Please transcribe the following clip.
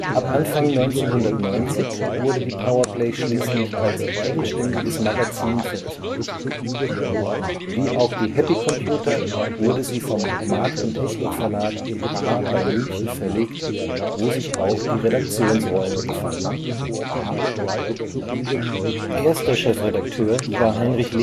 Ab Anfang 1990 wurde die Power Play schließlich als eigenständiges Magazin veröffentlicht. Wie auch die Happy Computer wurde sie vom Markt & Technik Verlag in Haar bei München verlegt, wo sich auch die Redaktionsräume befanden. Erster Chefredakteur war Heinrich